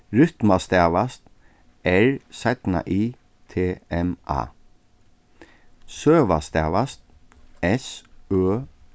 rytma stavast r y t m a søga stavast s ø